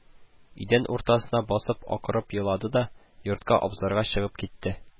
Идән уртасына басып акырып елады да, йортка-абзарга чыгып китте